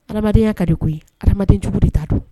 Adamadenya kadi koyi adamadenjugu de t'a don